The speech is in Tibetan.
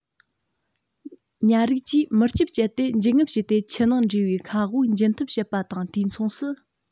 ཉ རིགས ཀྱིས མུར ལྕིབ སྤྱད དེ འབྱིན རྔུབ བྱས ཏེ ཆུ ནང འདྲེས པའི མཁའ དབུགས འབྱིན ཐབས བྱེད པ དང དུས མཚུངས སུ